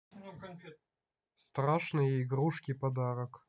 страшные игрушки подарок